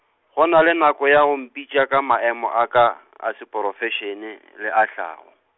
go na le nako ya go mpitša ka maemo a ka, a seprofešene, le a tlhago.